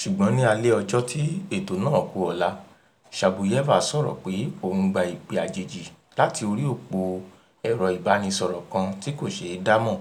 Ṣùgbọ́n ní alẹ́ ọjọ́ tí ètò náà ku ọ̀la, Shabuyeva sọ̀rọ̀ pé òun gba ìpè àjèjì láti orí òpó ẹ̀rọ-ìbánisọ̀rọ̀ kan tí kò ṣe é dámọ̀,